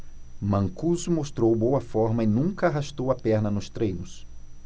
mancuso mostrou boa forma e nunca arrastou a perna nos treinos